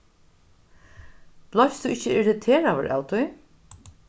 bleivst tú ikki irriteraður av tí